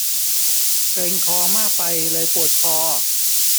เกร็งคอมากไปเลยปวดคอ